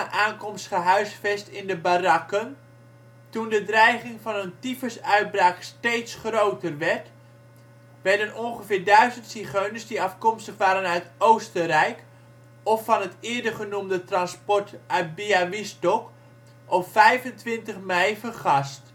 aankomst gehuisvest in de barakken. Toen de dreiging van een tyfusuitbraak steeds groter werd, werden ongeveer duizend zigeuners die afkomstig waren uit Oostenrijk of van het eerder genoemde transport uit Białystok op 25 mei vergast